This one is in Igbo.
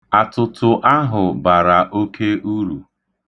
Atụtụ ahụ bara oke uru.